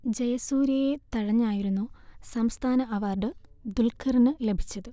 ജയസൂര്യയെ തഴഞ്ഞായിരുന്നു സംസ്ഥാന അവാർഡ് ദുല്ഖറിനു ലഭിച്ചത്